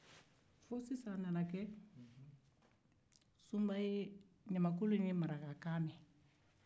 fo ɲamankolon ye marakakan mɛn